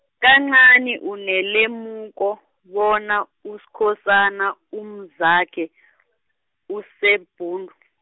kancani unelemuko bona, Uskhosana umzakhe , useBhundu .